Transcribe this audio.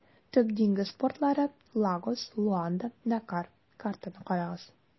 Төп диңгез портлары - Лагос, Луанда, Дакар (картаны карагыз).